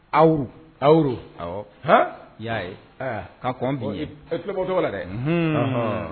Aw aw aw y'a ye aa k'an koan bɛ tulo tɔgɔ la dɛ